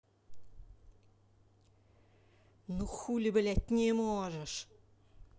ну хули блять не можешь